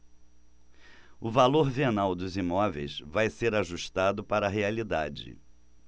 o valor venal dos imóveis vai ser ajustado para a realidade